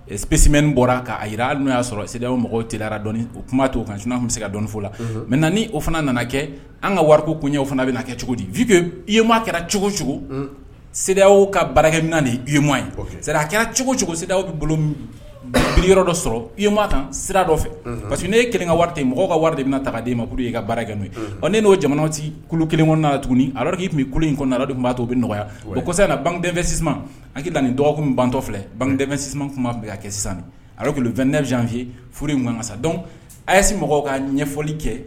Simɛ bɔra k'a jira n'o y'a sɔrɔ se mɔgɔw tɛ dɔn o kuma to o kan bɛ se ka dɔnfɔ la mɛ o fana nana kɛ an ka wari kow fana bɛna kɛ cogo di fiike yema kɛra cogo cogo se ka baarakɛ min nin yemaye a kɛra cogo cogo bɛ bolo biiriyɔrɔ dɔ sɔrɔ i yema kan sira dɔ fɛ parce que nee ye kelen ka wari ten mɔgɔw ka wari de bɛna na ta' e ma k e ka baara n n'o jamana ci kulu kelen nana tuguni ni a k' tun bɛ kulu in kɔnɔ na don b'atɔ u bɛ nɔgɔyaya o kɔsa na bangetanfɛnsi an ka na nin dɔgɔkun min bantɔ filɛ bangetanfɛnsi tun bɛ ka kɛ a ku2ɛfiye furu nka ka sa dɔn a yese mɔgɔw ka ɲɛfɔli kɛ